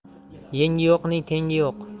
yengi yo'qning tengi yo'q